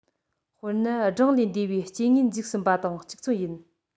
དཔེར ན གྲངས ལས འདས པའི སྐྱེ དངོས འཇིག ཟིན པ དང གཅིག མཚུངས ཡིན